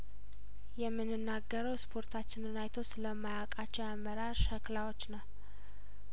የምንናገረው ስፖርታችንን አይቶ ስለማያቃቸው የአመራር ሸክላዎች ነው